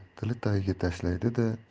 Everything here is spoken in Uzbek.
tili tagiga tashlaydi da